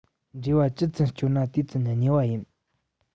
འབྲེལ བ ཇི ཙམ བསྐྱོད ན དེ ཙམ ཉེ བ ཡིན